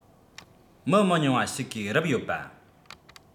མི མི ཉུང བ ཞིག གིས རུབ ཡོད པ